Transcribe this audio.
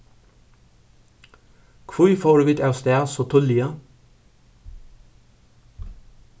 hví fóru vit avstað so tíðliga